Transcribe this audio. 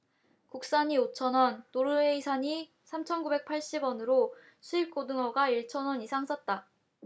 국산이 오 천 원 노르웨이산이 삼 천 구백 팔십 원으로 수입 고등어가 일 천 원 이상 쌌다